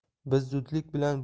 biz zudlik bilan